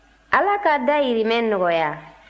ala ka dahirimɛ nɔgɔya